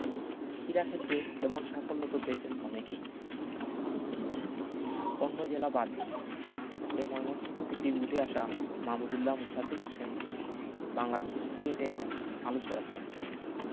কিড়াক্ষেত্রে এমন সাফল্য তো পেয়েছেন অনেকেই অন্য জেলা বাদ দিন এ ময়মনসিংহ থেকেই উঠে আসা মাহমুদউল্লাহ মোসাদ্দেক হোসেন বাংলাদেশ কিকেটে আলো ছড়াচ্ছেন নিয়মিত